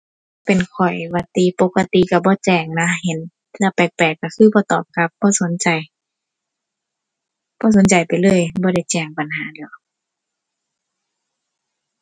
เป็นข้อยว่าติ ปกติก็บ่แจ้งนะ เห็นแนวแปลกแปลกก็คือบ่ตอบกลับ บ่สนใจ บ่สนใจไปเลย บ่ได้แจ้งปัญหา